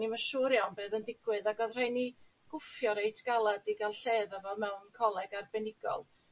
ni'm yn siŵr iawn be' odd yn digwydd ag odd rhai' ni gwffio reit galad i ga'l lle iddo fo mewn coleg arbenigol.